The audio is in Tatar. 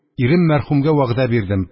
Ирем мәрхүмгә вәгъдә бирдем